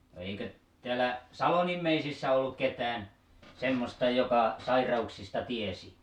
no eikö täällä salon ihmisissä ollut ketään semmoista joka sairauksista tiesi